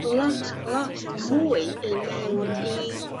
lot lot mwy i mewn i